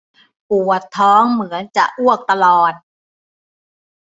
ปวดท้องเหมือนจะอ้วกตลอด